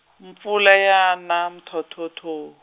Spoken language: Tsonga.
mpfula ya na mthothothoo.